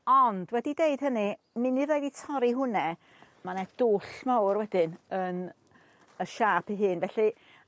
ond wedi deud hynny munudd wedi torri hwnne ma' 'ne dwll mawr wedyn yn y siâp ei hun felly